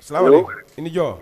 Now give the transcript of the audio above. salamalek i ni jɔn